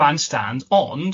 ...bandstand ond